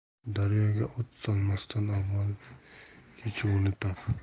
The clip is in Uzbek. daryoga ot solmasdan avval kechuvini top